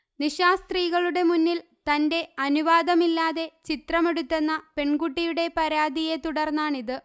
നിശാ സ്ത്രീകളുടെ മുന്നില് തന്റെ അനുവാദമില്ലാതെ ചിത്രമെടുത്തെന്ന പെണ്കുട്ടിയുടെ പരാതിയെ തുടര്ന്നാണിത്